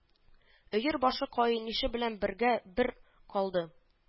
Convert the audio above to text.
Өер башы каенише белән бергә-бер калды